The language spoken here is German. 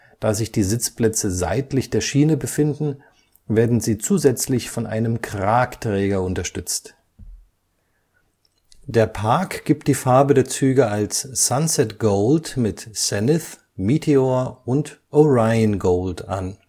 Da sich die Sitzplätze seitlich der Schiene befinden, werden sie zusätzlich von einem Kragträger unterstützt. Der Park gibt die Farbe der Züge als Sunset Gold mit Zenith, Meteor und Orion Gold an